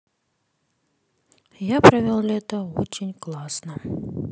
я провела лето очень классно